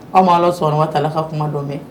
Aw ma allahu subahaanahu wa taala ka kuma don mɛn